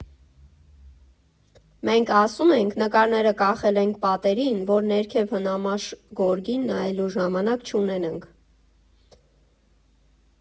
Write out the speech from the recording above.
Մենք ասում ենք՝ նկարները կախել ենք պատերին, որ ներքև՝ հնամաշ գորգին նայելու ժամանակ չունենաք։